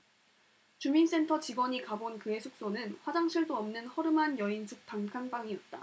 주민센터 직원이 가본 그의 숙소는 화장실도 없는 허름한 여인숙 단칸방이었다